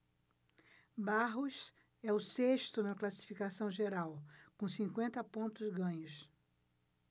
barros é o sexto na classificação geral com cinquenta pontos ganhos